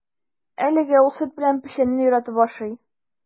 Әлегә ул сөт белән печәнне яратып ашый.